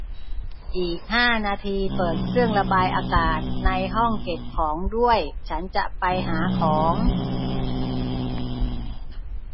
อีกห้านาทีเปิดเครื่องระบายอากาศในห้องเก็บของด้วยฉันจะไปหาของ